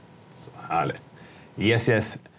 herlig yes yes.